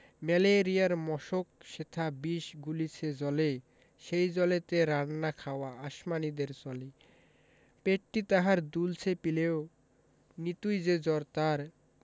ম্যালেরিয়ার মশক সেথা বিষ গুলিছে জলে সেই জলেতে রান্না খাওয়া আসমানীদের চলে পেটটি তাহার দুলছে পিলেয় নিতুই যে জ্বর তার